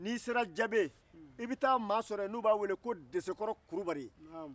n'i sera jabe i bɛ taa maa sɔrɔ yen n'u b'a wele ko desekɔrɔ kulubali